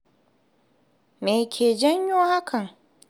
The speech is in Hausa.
Me ke janyo hakan?